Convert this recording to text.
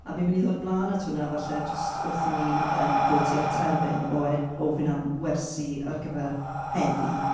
A fi'n mynd i ddod ymlaen at hwnna, falle, jyst wrth i ni yym ddod tua'r terfyn o ed- o ofyn am wersi ar gyfer heddi.